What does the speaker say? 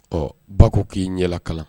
Ɔ ba k'i yɛlɛkala